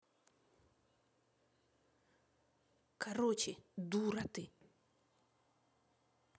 короче дура ты